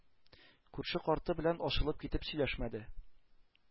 Күрше карты белән ачылып китеп сөйләшмәде,